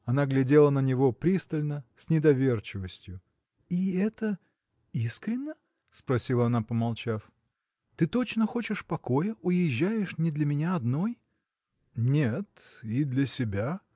Она глядела на него пристально, с недоверчивостью. – И это. искренно? – спросила она помолчав – ты точно хочешь покоя уезжаешь не для меня одной? – Нет: и для себя.